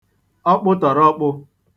ọkpụtọ̀rọkpụ̄